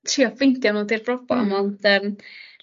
trio ffeindio n'w di'r broblam ond yym